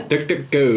Duck duck go.